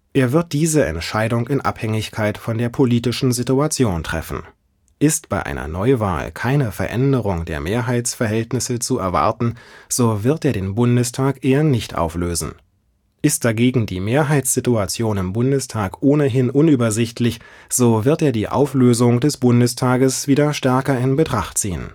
Er wird diese Entscheidung in Abhängigkeit von der politischen Situation treffen: Ist bei einer Neuwahl keine Veränderung der Mehrheitsverhältnisse zu erwarten, so wird er den Bundestag eher nicht auflösen. Ist dagegen die Mehrheitssituation im Bundestag ohnehin unübersichtlich, so wird er die Auflösung des Bundestages wieder stärker in Betracht ziehen